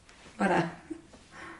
for' 'a.